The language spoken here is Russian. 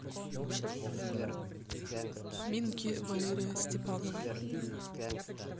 поминки валерия степанова